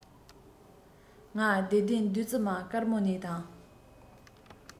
ང བདེ ལྡན བདུད རྩི མ དཀར མོ ནས དང